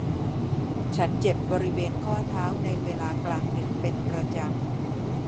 ฉันเจ็บบริเวณข้อเท้าในเวลากลางดึกเป็นประจำ